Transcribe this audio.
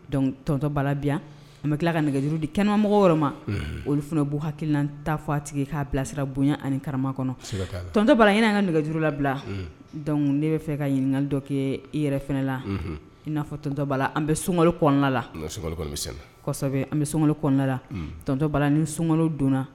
Dɔnkuc tɔntɔ bala bi yan an bɛ tila ka nɛgɛjuru di kɛnɛmɔgɔ yɔrɔ ma olu fana b buu ha hakiliki taa fti k'a bilasira bonya ani ni kara kɔnɔ tɔntɔba nan ka nɛgɛjuru labila dɔnkuc ne bɛ fɛ ka ɲininkakali dɔ kɛ i yɛrɛ fana la i n'a fɔ tɔntɔ la an bɛ sun la an bɛ som kɔnɔna la tɔntɔ ni sunka donnana